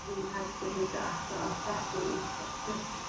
dwi heb gymhwyso eto felly ie jyst